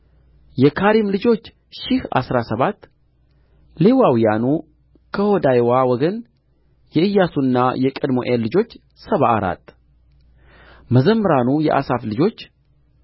የካሪም ልጆች ሺህ አሥራ ሰባት ሌዋውያኑ ከሆዳይዋ ወገን የኢያሱና የቀድምኤል ልጆች ሰባ አራት መዘምራኑ የአሳፍ ልጆች